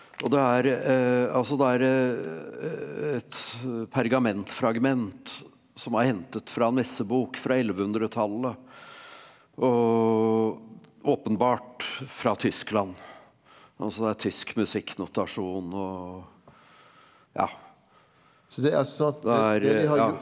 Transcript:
og det er altså det er et pergamentfragment som er hentet fra en messebok fra ellevehundretallet og åpenbart fra Tyskland, altså det er tysk musikknotasjon og ja ja.